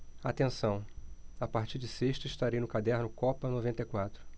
atenção a partir de sexta estarei no caderno copa noventa e quatro